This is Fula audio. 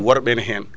worɓe ne hen